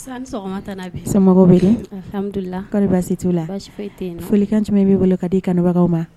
Nse, a ni sɔgɔma, tante Abi, bɛ di? Alhamdulilayi kɔri basi t'u la ? basi fosi tɛ yen, folikan jumɛn b'e bolo ka di kanubagaw ma?